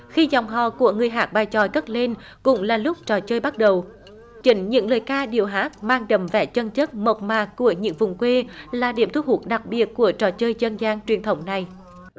khi dòng họ của người hát bài chòi cất lên cũng là lúc trò chơi bắt đầu chính những lời ca điệu hát mang đậm vẻ chân chất mộc mạc của những vùng quê là điểm thu hút đặc biệt của trò chơi dân gian truyền thống này